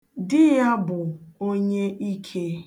Di ya bụ onye ike.